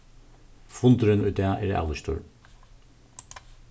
fundurin í dag er avlýstur